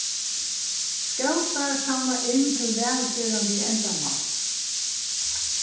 skótar savna inn til vælgerandi endamál